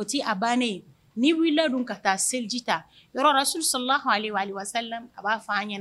O t'i a bannen ye ni wulila dun ka taa seliji ta yɔrɔ Rasulu sɔlɔlahu halayihi wasɔlamu a b'a fɔ an